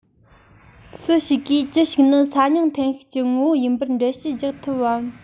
སུ ཞིག གིས ཅི ཞིག ནི ས སྙིང འཐེན ཤུགས ཀྱི ངོ བོ ཡིན པར འགྲེལ བཤད རྒྱག ཐུབ བམ